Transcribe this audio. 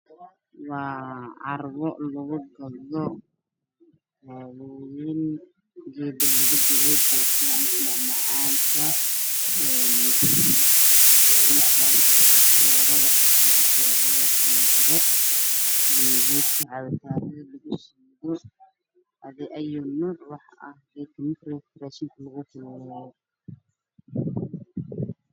Waa carwo lugu gado birta lugu dubo doolshooyinka mase macmacaanka, feerada dharka, wax ayi nuuc ah ayaa lugu gadaa.